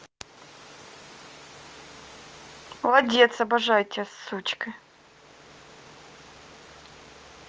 молодец обожаю тебя сучка